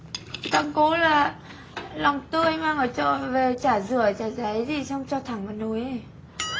thắng cố là lòng tươi mang ở chợ về chả rửa chả ráy gì xong cho thẳng vào nồi ý